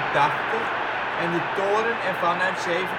dateert uit 1783, de toren ervan uit 1872